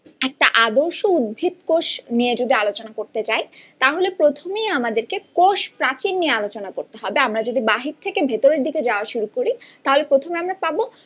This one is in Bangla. একটা আদর্শ উদ্ভিদ কোষ নিয়ে যদি আলোচনা করতে চাই তবে প্রথমে আমাদেরকে কোষপ্রাচীর নিয়ে আলোচনা করতে হবে আমরা যদি বাহির থেকে ভেতরের দিকে যাওয়া শুরু করি তাহলে প্রথমে আমরা পাব